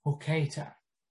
Oce 'ta.